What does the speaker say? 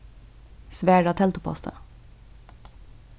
svara telduposti